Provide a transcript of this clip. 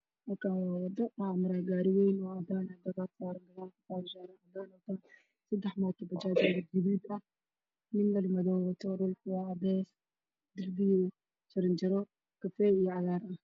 Halkaan waa wado waxaa maraayo gaari wayn oo cadaan ah waxaa saaran dad wato shaarar cadaan ah, seddex mooto bajaaj oo gaduud ah, nin dhar madow wato dhulka waa cadeys, jaranjaro kafay iyo cagaar ah.